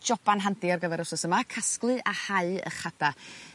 joban handi ar gyfer wsos yma casglu a hau 'ych hada.